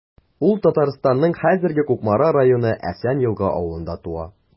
Ул Татарстанның хәзерге Кукмара районы Әсән Елга авылында туа.